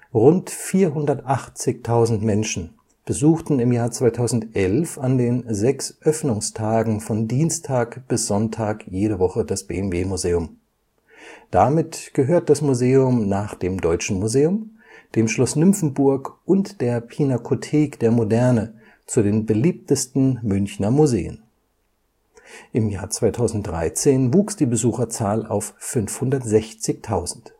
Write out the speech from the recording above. Rund 480.000 Menschen besuchten im Jahr 2011 an den sechs Öffnungstagen (Dienstag – Sonntag) in der Woche das BMW Museum. Damit gehört das Museum nach dem Deutschen Museum, dem Schloss Nymphenburg und der Pinakothek der Moderne zu den beliebtesten Münchner Museen. Im Jahr 2013 wuchs die Besucherzahl auf 560.000